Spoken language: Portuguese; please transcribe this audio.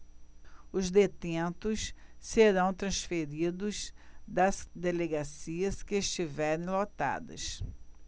os detentos serão transferidos das delegacias que estiverem lotadas